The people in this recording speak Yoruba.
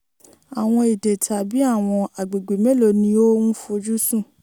Àwọn èdè tàbí àwọn agbègbè mélòó ni ò ń fojú sùn?